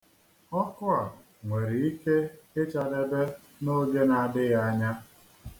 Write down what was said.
Ọkụ a nwere ike ịchadebe n'oge na-adịghị anya.